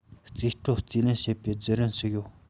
རྩིས སྤྲོད རྩིས ལེན བྱེད པའི བརྒྱུད རིམ ཞིག ཡོད